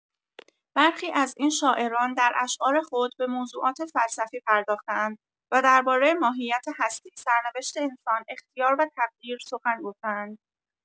برخی از این شاعران در اشعار خود به موضوعات فلسفی پرداخته‌اند و درباره ماهیت هستی، سرنوشت انسان، اختیار و تقدیر سخن گفته‌اند.